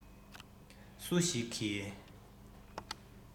སུ ཞིག གིས